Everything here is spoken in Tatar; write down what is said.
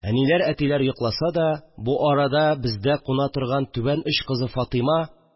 Әниләр, әтиләр йокласа да, бу арада бездә куна торган түбән оч кызы фатыйма